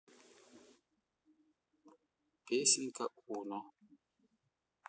песенка уно